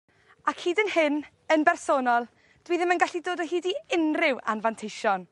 Ac hyd yn hyn yn bersonol dwi ddim yn gallu dod hyd i unryw anfanteision